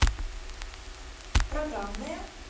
программное